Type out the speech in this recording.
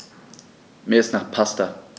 Mir ist nach Pasta.